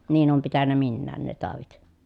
niin olen pitänyt minäkin ne taudit